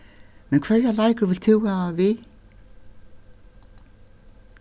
men hvørjar leikur vilt tú hava við